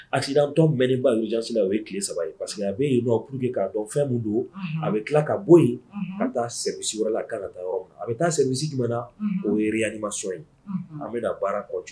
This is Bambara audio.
Accident tɔ mɛnen ba urgence la o ye tile 3 ye parce que a bɛ yen nɔ pour que k'a dɔn fɛn min don. Unhun, A bɛ tila ka bɔ yen, unhun, ka taa service wɛrɛ la a ka kan taa yɔrɔ min na. A bɛ taa service jumɛn na? unhun,O ye réanimation ye, unhun, an bɛ na baara continu